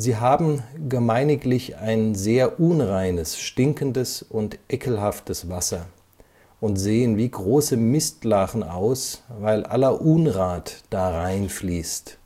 haben gemeiniglich ein sehr unreines, stinkendes und eckelhaftes Wasser, und sehen wie große Mistlachen aus, weil aller Unrath darein fließt